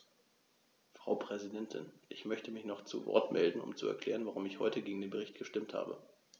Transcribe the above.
Frau Präsidentin, ich möchte mich zu Wort melden, um zu erklären, warum ich heute gegen den Bericht gestimmt habe.